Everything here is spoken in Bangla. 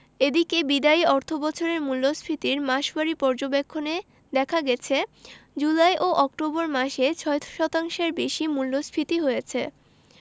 এদিকে বিদায়ী অর্থবছরের মূল্যস্ফীতির মাসওয়ারি পর্যবেক্ষণে দেখা গেছে জুলাই ও অক্টোবর মাসে ৬ শতাংশের বেশি মূল্যস্ফীতি হয়েছে